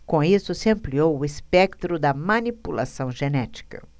com isso se ampliou o espectro da manipulação genética